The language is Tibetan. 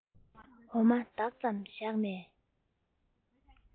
འོ མ ལྡག མཚམས བཞག ནས